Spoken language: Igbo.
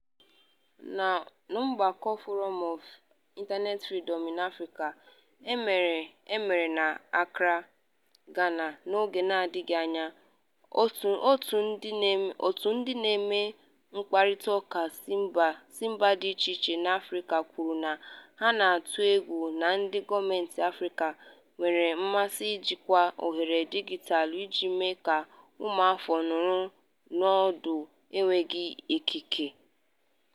N'ọgbakọ Forum of Internet Freedom in Africa (FIFA) e mere na Accra, Ghana n'oge n'adịbeghị anya, òtù ndị na-eme mkparịtaụka si mba dị icheiche n'Afrịka kwuru na ha na-atụ egwu na ndị gọọmentị Afrịka nwere mmasị ijikwa ohere dijitalụ iji mee ka ụmụafọ nọrọ n'ọnọdụ enweghị ikike.